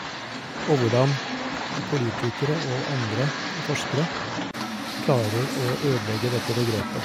Og hvordan politikere og andre forskere klarer å ødelegge dette begrepet.